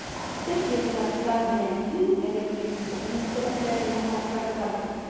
Төркия Татарстан белән иң элек икътисади мөнәсәбәтләрне арттырырга тели.